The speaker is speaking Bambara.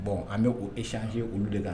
Bon an bɛ o échanger olu de ka